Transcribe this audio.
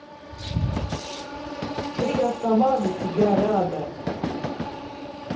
да я сама за себя рада